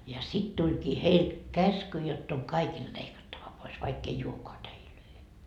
ja sitten tulikin heille käsky jotta on kaikilta leikattava pois vaikka ei olekaan täitä